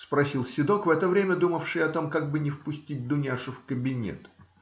- спросил седок, в это время думавший о том, как бы не впустить Дуняшу в кабинет.